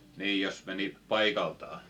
niin jos meni paikaltaan